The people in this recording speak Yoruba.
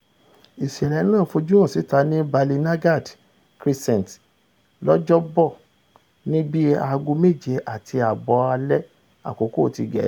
Ìṣẹ̀lẹ̀ náà fojú hàn síta ní Ballynagard Crescent lọ́jọ́ 'Bọ̀ ní bíi aago méje àti ààbọ̀ alẹ́ Àkókò ti Gẹ̀ẹ́sì.